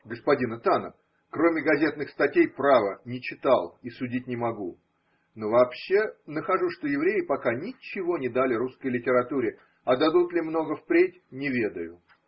господина Тана, кроме газетных статей, право, не читал и судить не могу: но вообще нахожу, что евреи пока ничего не дали русской литературе, а дадут ли много впредь – не ведаю.